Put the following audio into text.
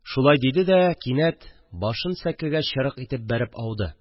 Шулай диде дә, кинәт башын сәкегә чырык итеп бәреп ауды